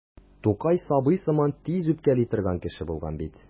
Тукай сабый сыман тиз үпкәли торган кеше булган бит.